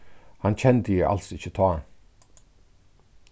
hann kendi eg als ikki tá